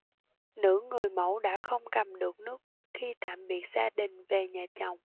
nữ người mẫu đã không cầm được nước mắt khi tạm biệt gia đình về nhà chồng